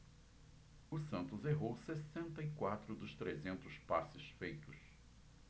o santos errou sessenta e quatro dos trezentos passes feitos